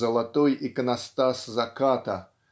"золотой иконостас заката"